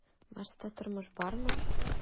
"марста тормыш бармы?"